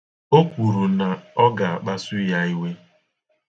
O kwuru na ọ ga-akpasu ya iwe.